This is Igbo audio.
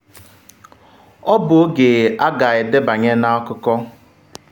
“Ọ bụ oge a ga-edebanye na akụkọ.”